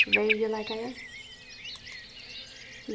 verjuleikari